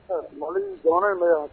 Mali jamana in mɛn yan